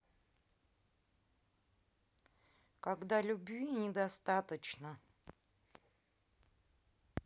когда любви недостаточно